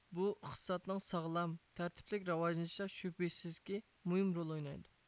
بۇ ئىقتىسادنىڭ ساغلام تەرتىپلىك راۋاجلىنىشىدا شۈبھىسىزكى مۇھىم رول ئوينايدۇ